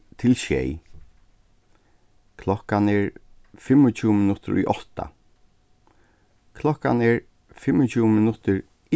til sjey klokkan er fimmogtjúgu minuttir í átta klokkan er fimmogtjúgu minuttir